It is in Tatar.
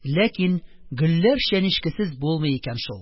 Ләкин гөлләр чәнечкесез булмый икән шул.